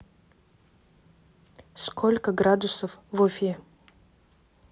сколько градусов в уфе